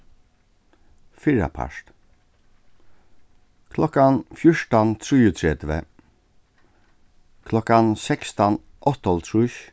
fyrrapart klokkan fjúrtan trýogtretivu klokkan sekstan áttaoghálvtrýss